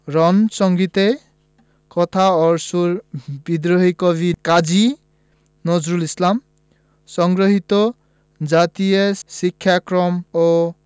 রন সঙ্গীত কথা ও সুর বিদ্রোহী কবি কাজী নজরুল ইসলাম সংগৃহীত জাতীয় শিক্ষাক্রম ও